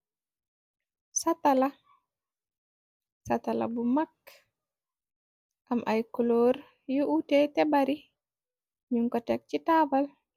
Satala bu makk am ay kuloor yu uté te bari. Nun ko teg ci taabal.